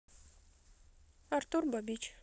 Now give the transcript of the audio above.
артур бабич